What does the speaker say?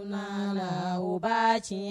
Nana o ba tiɲɛ